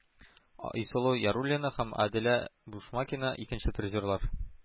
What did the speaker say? Айсылу Яруллина һәм Аделя Бушмакина – икенче призерлар.